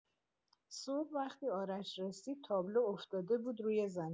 صبح وقتی آرش رسید، تابلو افتاده بود روی زمین.